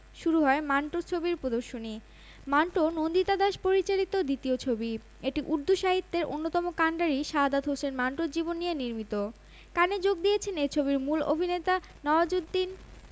চুগতাইয়ের চরিত্রে রাজশ্রী দেশপান্ডের অভিনয়ও গতকাল প্রশংসা কুড়ায় ছবির উদ্বোধনী প্রদর্শনীর আগে এর শিল্পী ও কুশলীদের পরিচয় করিয়ে দেওয়ার জন্য উৎসব প্রধান থিয়েরি ফ্রেমো উঠে আসেন মঞ্চে